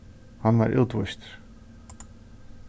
hann varð útvístur